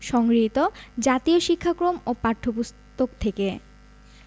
সংগৃহীত জাতীয় শিক্ষাক্রম ও পাঠ্যপুস্তক থেকে